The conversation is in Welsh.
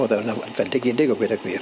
O'dd e'n yw- yn fendigedig a gweud y gwir.